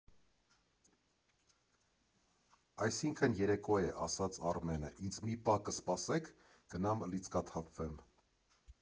֊ Այսինքն երեկո է, ֊ ասաց Արմենը, ֊ ինձ մի պահ կսպասե՞ք, գնամ՝ լիցքաթափվեմ։